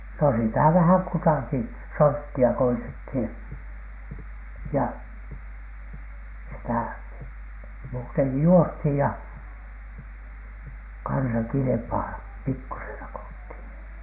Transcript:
no sitä vähän kutakin sorttia koetettiin ja sitä muutenkin juostiin ja kanssa kilpaa pikkuisena kun oltiin